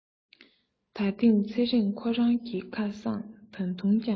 ད ཐེངས ཚེ རིང ཁོ རང གི ཁ སང ད དུང ཀྱང